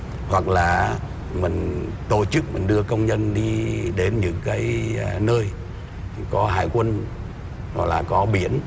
hoặc là mình tổ chức mình đưa công nhân đi đến những cái nơi chỉ có hải quân gọi là cỏ biển